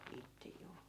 itse juu